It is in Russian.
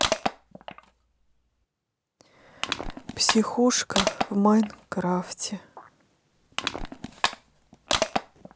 психушка в майнкрафте